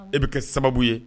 E bɛ kɛ sababu ye